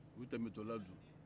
u tɛmɛtɔla don